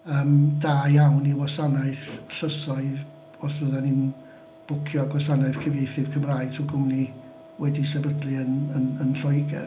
Yym da iawn i wasanaeth llysoedd os fyddan ni'n bwcio gwasanaeth cyfieithydd Cymraeg trwy gwmni wedi'i sefydlu yn yn Lloegr.